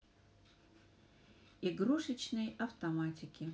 игрушечный автоматики